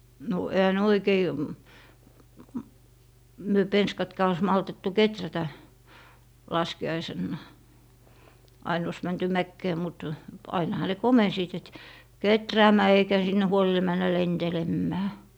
no eihän ne oikein - me penskatkaan olisi maltettu kehrätä laskiaisena aina olisi menty mäkeen mutta ainahan ne komensivat että kehräämään eikä sinne huoli mennä lentelemään